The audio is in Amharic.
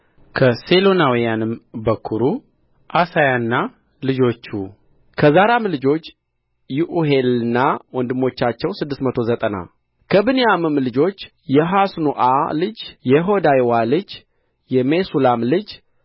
ከሴሎናዊያንም በኵሩ ዓሣያና ልጆቹ ከዛራም ልጆች ይዑኤልና ወንድሞቻቸው ስድስት መቶ ዘጠና ከብንያምም ልጆች የሐስኑአ ልጅ የሆዳይዋ ልጅ የሜሱላም ልጅ